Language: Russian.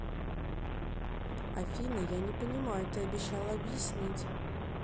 афина я не понимаю ты обещала объяснить